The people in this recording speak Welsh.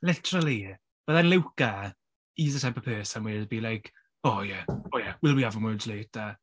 Literally byddai Luca he's the type of person where he'd be like "Oh yeah oh yeah we'll be having words later."